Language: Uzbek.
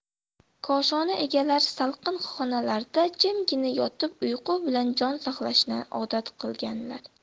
koshona egalari salqin xonalarda jimgina yotib uyqu bilan jon saqlashni odat qilganlar